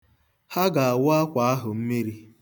Ha ga-awụ akwa ahụ mmiri.